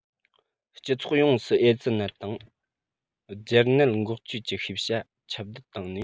སྤྱི ཚོགས ཡོངས སུ ཨེ ཙི ནད དང སྦྱར ནད འགོག བཅོས ཀྱི ཤེས བྱ ཁྱབ གདལ བཏང ནས